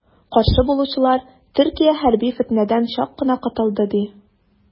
Каршы булучылар, Төркия хәрби фетнәдән чак кына котылды, ди.